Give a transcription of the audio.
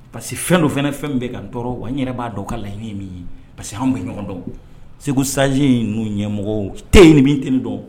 Parce que fɛn dɔ fɛn fɛn bɛ ka tɔɔrɔ wa n yɛrɛ b'a dɔn ka la i ye min ye parce que anw bɛ ɲɔgɔn dɔn seguji in n'u ɲɛmɔgɔ tɛ ni min tɛ dɔn